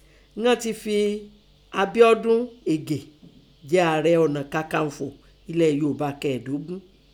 Ighan tẹ fin Abíọ́dún Ẹ̀gè jẹ Ààrẹ ọ̀nà kankanfọ̀ elẹ̀ Yoọ̀bá kẹẹ̀dógún.